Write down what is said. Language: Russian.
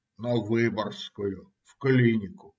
- На Выборгскую, в клинику.